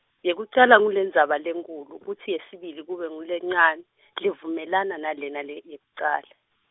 yekucala ngulendzaba lenkhulu kutsi yesibili kube ngulencane, levumelana nalena le yekucala.